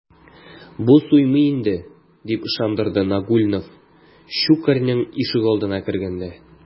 Бу суймый инде, - дип ышандырды Нагульнов Щукарьның ишегалдына кергәндә.